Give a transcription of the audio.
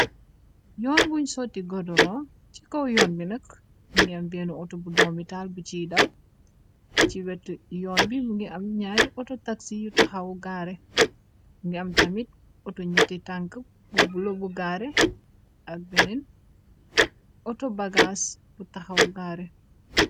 Yoon buñ sooti godoron, ci kaw yoon bi nak ngi am benna auto bu domitaal bu ciy daw , ci wet yoon bi bungi am ñaari auto taxi yu taxawu gaare , mungi am tamit auto ñeti tank bu bulo bu gaare, ak beneen auto bagaas bu taxawu gaare.